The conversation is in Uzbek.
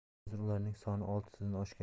hozir ularning soni oltidan oshgan